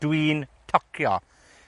Dwi'n tocio.